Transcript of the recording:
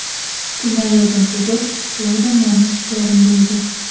Күлмәге озын түгел, шулай да норма чикләрендә иде.